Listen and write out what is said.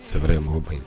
Sɛ ye mori ba ye